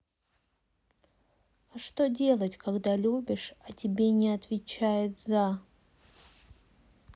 а что делать когда любишь а тебе не отвечает за